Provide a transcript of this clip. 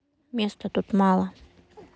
места мало тут